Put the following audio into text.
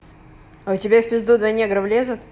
а у тебя в пизду два негра влезут